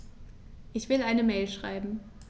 Ich will eine Mail schreiben.